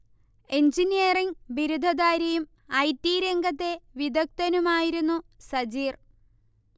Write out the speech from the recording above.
Engineering ബിരുദധാരിയും I. T രംഗത്തെ വിദഗ്ദനുമായിരുന്നു സജീർ